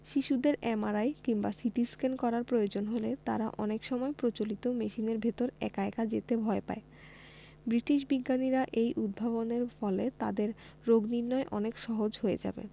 শিশুদের এমআরআই কিংবা সিটিস্ক্যান করার প্রয়োজন হলে তারা অনেক সময় প্রচলিত মেশিনের ভেতর একা একা যেতে ভয় পায় ব্রিটিশ বিজ্ঞানীদের এই উদ্ভাবনের ফলে তাদের রোগনির্নয় অনেক সহজ হয়ে যাবে